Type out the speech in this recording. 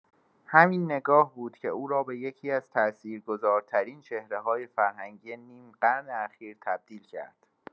همین نگاه بود که او را به یکی‌از تأثیرگذارترین چهره‌های فرهنگی نیم‌قرن اخیر تبدیل کرد.